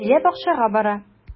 Зилә бакчага бара.